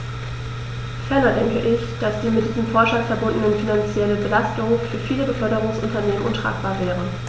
Ferner denke ich, dass die mit diesem Vorschlag verbundene finanzielle Belastung für viele Beförderungsunternehmen untragbar wäre.